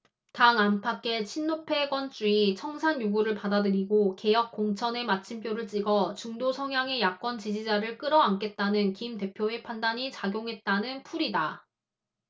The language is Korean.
당 안팎의 친노패권주의 청산 요구를 받아들이고 개혁공천의 마침표를 찍어 중도성향의 야권 지지자를 끌어안겠다는 김 대표의 판단이 작용했다는 풀이다